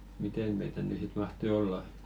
miten meitä nyt sitten mahtoi olla